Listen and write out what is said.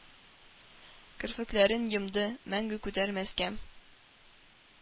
Керфекләрен йомды, мәңге күтәрмәскә...